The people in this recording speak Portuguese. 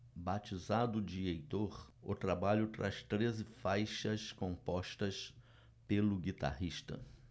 batizado de heitor o trabalho traz treze faixas compostas pelo guitarrista